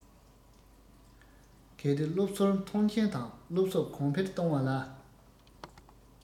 གལ ཏེ སློབ གསོར མཐོང ཆེན དང སློབ གསོ གོང འཕེལ གཏོང བ ལ